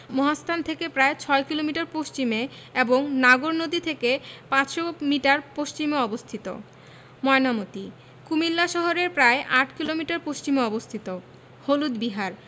মহাস্থান থেকে প্রায় ৬ কিলোমিটার পশ্চিমে এবং নাগর নদী থেকে ৫০০ মিটার পশ্চিমে অবস্থিত ময়নামতি কুমিল্লা শহরের প্রায় ৮ কিলোমিটার পশ্চিমে অবস্থিত হলুদ বিহার